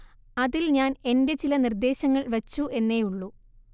അതില്‍ ഞാന്‍ എന്റെ ചില നിര്‍ദ്ദേശങ്ങള്‍ വച്ചു എന്നേ ഉള്ളൂ